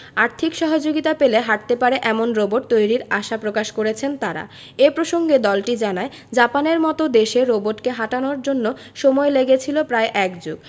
আর্থিক সহযোগিতা পেলে হাটতে পারে এমন রোবট তৈরির আশা প্রকাশ করেছেন তারা এ প্রসঙ্গে দলটি জানায় জাপানের মতো দেশে রোবটকে হাঁটানোর জন্য সময় লেগেছিল প্রায় এক যুগ